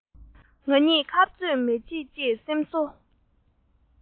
ང གཉིས ཁ རྩོད མི བྱེད ཅེས སེམས གསོ